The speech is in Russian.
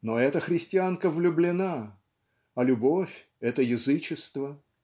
Но эта христианка влюблена, а любовь - это язычество.